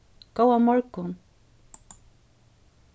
góðan morgun